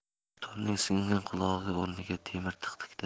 dutorning singan qulog'i o'rniga temir tiqdikda